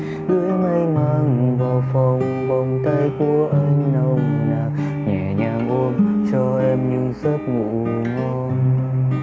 gửi mây màng vào phòng vòng tay của anh nồng nàn nhẹ nhàng ôm cho em những giấc ngủ ngon